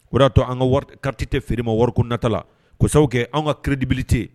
O y'a to an ka kati tɛ feere ma wari ko natala kosa kɛ an ka kɛlɛdibite